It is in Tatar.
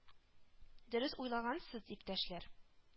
Дөрес уйлагансыз, иптәшләр